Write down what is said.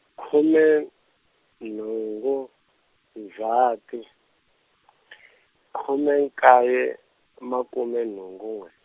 khume, nhungu, Ndzati , khume nkaye, makume nhungu n'we.